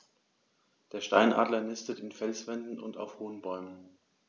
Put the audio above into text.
Der Steinadler nistet in Felswänden und auf hohen Bäumen.